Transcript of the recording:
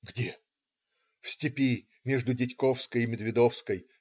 - "Где?" - "В степи, между Дядьковской и Медведовской.